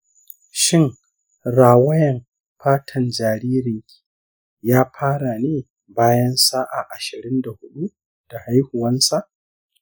shin rawayan fatan jarirnki ya fara ne bayan sa'a ashirin da hudu da haihuwansa?